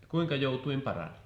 kuinka joutuin parani